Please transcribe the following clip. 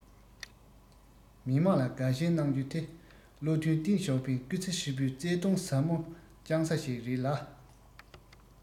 མི དམངས ལ དགའ ཞེན གནང རྒྱུ དེ བློ མཐུན ཏེང ཞའོ ཕིང སྐུ ཚེ ཧྲིལ པོའི བརྩེ དུང ཟབ མོ བཅངས ས ཞིག རེད ལ